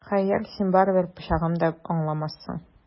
Хәер, син барыбер пычагым да аңламассың!